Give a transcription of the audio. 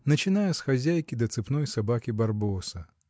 начиная с хозяйки до цепной собаки Барбоса.